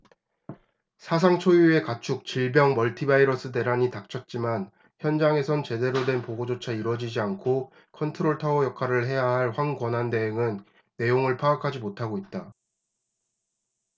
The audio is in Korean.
사상 초유의 가축 질병 멀티 바이러스 대란이 닥쳤지만 현장에선 제대로 된 보고조차 이뤄지지 않고 컨트롤타워 역할을 해야 할 황 권한대행은 내용을 파악하지 못하고 있다